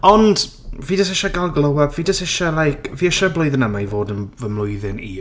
Ond fi jyst eisiau gael glow up. Fi jyst isie like fi isie blwyddyn yma i fod yn, fy mlwyddyn i.